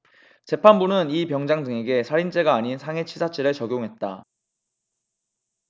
재판부는 이 병장 등에게 살인죄가 아닌 상해치사죄를 적용했다